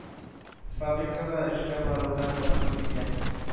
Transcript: Фабрикага эшкә барудан мәхрүм итә.